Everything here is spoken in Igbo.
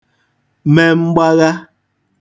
me mgbagha